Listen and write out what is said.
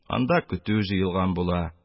Анда көтү җыелган була